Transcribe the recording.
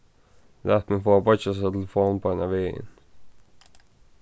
lat meg fáa beiggjasa telefon beinanvegin